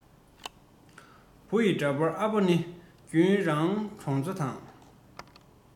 བུ ཡི འདྲ པར ཨ ཕ ནི རྒྱུན རང གྲོང ཚོ དང